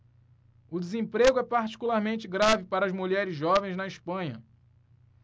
o desemprego é particularmente grave para mulheres jovens na espanha